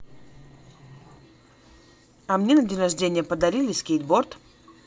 а мне на день рождения подарили скейтборд